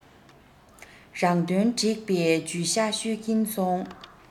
རང དོན སྒྲིག པའི ཇུས ཆ ཤོད ཀྱིན སོང